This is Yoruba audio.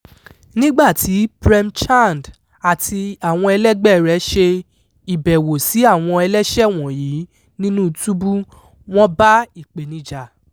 Nígbàtí Prem Chand àti àwọn ẹlẹgbẹ́ẹ rẹ̀ ṣe ìbẹ̀wò sí àwọn ẹlẹ́ṣẹ̀ wọ̀nyí nínúu túbú, wọ́n bá ìpèníjà: